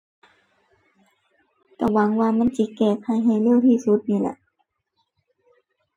ก็หวังว่ามันสิแก้ไขให้เร็วที่สุดนี่แหละ